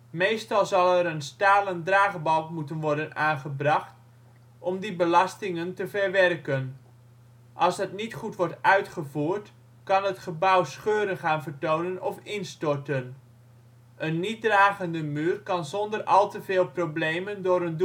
Meestal zal er een (stalen) draagbalk moeten worden aangebracht om die belastingen te verwerken. Als dat niet goed wordt uitgevoerd, kan het gebouw scheuren gaan vertonen of instorten. Een niet-dragende muur kan zonder al te veel problemen door een